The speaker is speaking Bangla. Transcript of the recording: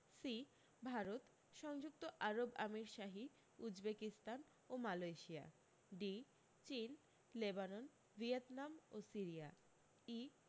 সি ভারত সংযুক্ত আরব আমীরশাহী উজবেকিস্তান ও মালয়েশিয়া ডি চীন লেবানন ভিয়েতনাম ও সিরিয়া ই